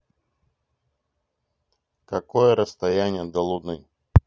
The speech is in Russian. какое расстояние до луны